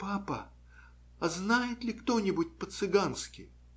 - Папа, знает ли кто-нибудь по-цыгански?